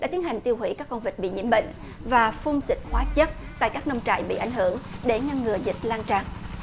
đã tiến hành tiêu hủy các con vật bị nhiễm bệnh và phun xịt hóa chất tại các nông trại bị ảnh hưởng để ngăn ngừa dịch lan tràn